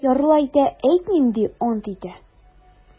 Ярлы әйтә: - әйтмим, - ди, ант итә.